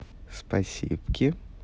спасибки